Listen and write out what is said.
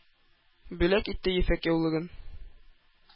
Бүләк итте ефәк яулыгын;